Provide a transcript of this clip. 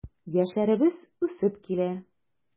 Яшьләребез үсеп килә.